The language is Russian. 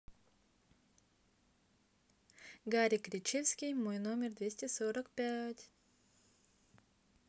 гарик кричевский мой номер двести сорок пять